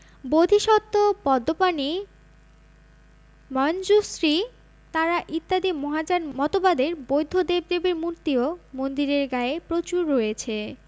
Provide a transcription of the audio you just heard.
বোধিসত্ত্ব পদ্মপাণি মঞ্জুশ্রী তারা ইত্যাদি মহাযান মতবাদের বৌদ্ধ দেবদেবীর মূর্তিও মন্দিরের গায়ে প্রচুর রয়েছে